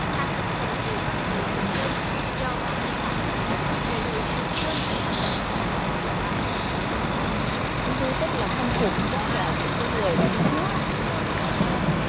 tham gia câu lạc bộ văn nghệ trường sơn do ban liên lạc toàn quốc bộ đội trường sơn thành lập năm hai nghìn lẻ ba chúng tôi rất là khâm phục tất cả những người đã đi trước người đã